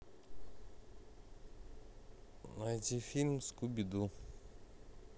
найди фильм скуби ду